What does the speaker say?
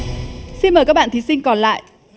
xin mời các bạn thí sinh còn lại